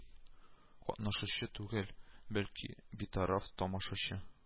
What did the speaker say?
Катнашучы түгел, бәлки битараф тамашачы